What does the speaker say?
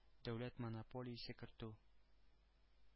Дәүләт монополиясе кертү.